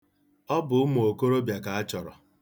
Ọ bụ ụmụ okorobịa ka a chọrọ.